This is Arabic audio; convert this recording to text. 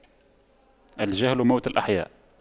الجهل موت الأحياء